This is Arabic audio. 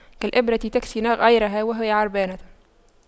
كالإبرة تكسي غيرها وهي عريانة